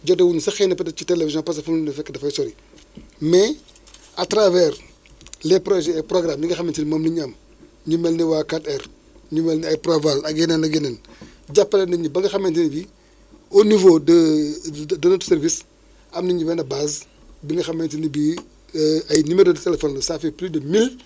jote wuñ sax xëy na peut être ci télévision parce fu mu la fekk dafay sori mais à travers :ra les projets et programmes yi nga xamante ni moom la ñu am ñu mel ni waa 4R ñu mel ni ay Proval ak yeneen ak yeneen jàppale nit ñi ba nga xamante ne bi au niveau de de note service am nañu benn base bi nga xamante ni bii ay numéros de téléphones yi ça fait plus de mille